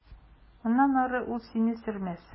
Моннан ары ул сине сөрмәс.